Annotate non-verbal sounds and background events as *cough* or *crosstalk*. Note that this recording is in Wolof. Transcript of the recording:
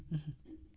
*hesitation* *hesitation*